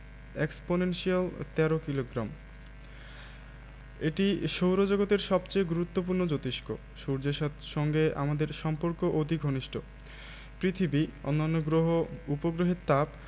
exponential ১৩ kilogram এটি সৌরজগতের সবচেয়ে গুরুত্বপূর্ণ জোতিষ্ক সূর্যের সঙ্গে আমাদের সম্পর্ক অতি ঘনিষ্ট পৃথিবী অন্যান্য গ্রহ উপগ্রহের তাপ